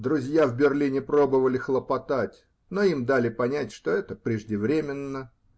Друзья в Берлине пробовали хлопотать, но им дали понять, что это преждевременно.